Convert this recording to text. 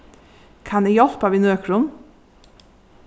kann eg hjálpa við nøkrum